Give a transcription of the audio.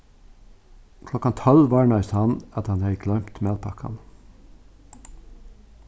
klokkan tólv varnaðist hann at hann hevði gloymt matpakkan